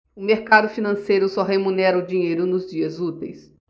o mercado financeiro só remunera o dinheiro nos dias úteis